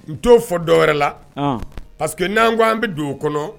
N t'o fɔ dɔw wɛrɛ la pa parceseke que n'an ko an bɛ don o kɔnɔ